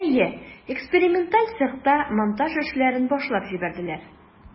Әйе, эксперименталь цехта монтаж эшләрен башлап җибәрделәр.